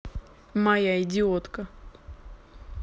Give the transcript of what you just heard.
моя идиотка